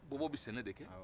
bɔbɔ bɛ sɛnɛ de kɛ